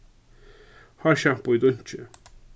hársjampo í dunki